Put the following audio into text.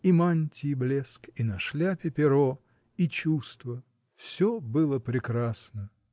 И мантии блеск, и на шляпе перо, И чувство — всё было прекрасно!